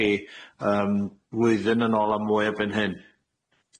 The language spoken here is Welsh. chi yym lwyddyn yn ôl a mwy erbyn hyn.